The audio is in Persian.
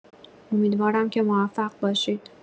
امیدوارم که موفق باشید